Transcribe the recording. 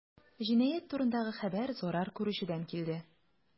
Җинаять турындагы хәбәр зарар күрүчедән килде.